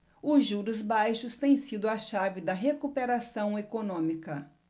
os juros baixos têm sido a chave da recuperação econômica